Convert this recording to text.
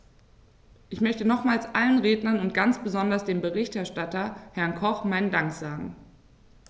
Ich möchte nochmals allen Rednern und ganz besonders dem Berichterstatter, Herrn Koch, meinen Dank sagen.